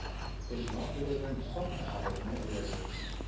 Оҗмах бүләген, саф мәхәббәтне өләшер өчен.